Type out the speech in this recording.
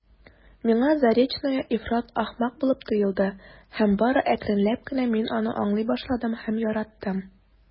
Миңа Заречная ифрат ахмак булып тоелды һәм бары әкренләп кенә мин аны аңлый башладым һәм яраттым.